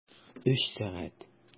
Өч сәгать!